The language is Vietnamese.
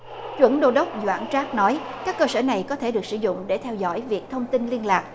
chuẩn đô đốc doãn trác nói các cơ sở này có thể được sử dụng để theo dõi việc thông tin liên lạc